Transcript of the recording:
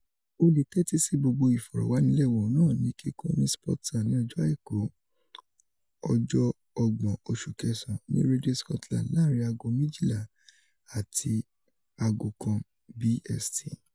O lè tẹ́tì sí gbogbo ìfọ̀rọ̀wanilẹ́nuwò náà ní kíkún ní Sportsound ní ọjọ́ àìkù, 30 oṣù kẹsàn-án ni Rédíò Scotland láàárin ago 12:00 àti 13:00 BST